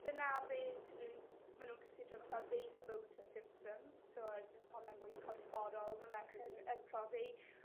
Dyna be' sa nw'n ma' nw'n cysidro fatha vasomotor symptoms so yr symptome'n fwy corfforol ma' merched yn profi.